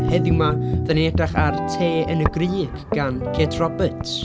Heddiw 'ma, dan ni'n edrych ar Te yn y Grug gan Kate Roberts.